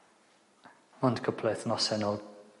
Ond cwpwl o wythnose nôl